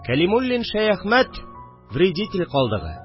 Кәлимуллин Шәяхмәт – Вредитель калдыгы